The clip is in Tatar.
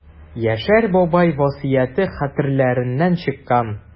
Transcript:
Яшәр бабай васыяте хәтерләреннән чыккан.